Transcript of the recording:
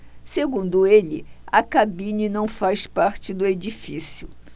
segundo ele a cabine não faz parte do edifício